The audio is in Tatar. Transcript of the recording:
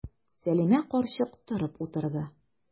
Сәлимә карчык торып утырды.